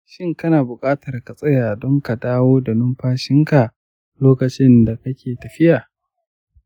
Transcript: shin kana buƙatar ka tsaya don ka dawo da numfashinka lokacin da kake tafiya?